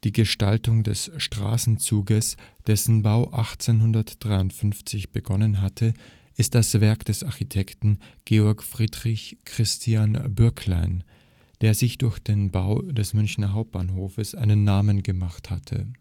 Gestaltung des Straßenzuges, dessen Bau 1853 begonnen hatte, ist das Werk des Architekten Georg Friedrich Christian Bürklein, der sich durch den Bau des Münchner Hauptbahnhofes einen Namen gemacht hatte